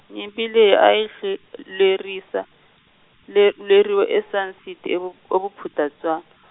nyimpi leyi a yi se- lerisa le- lweriwa e- Sun City e- Bop-, e- Bophuthatswana.